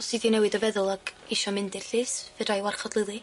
Os ti di newid dy feddwl ag isio mynd i'r llys fedrai warchod Lili.